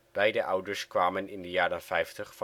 Beide ouders kwamen in de jaren vijftig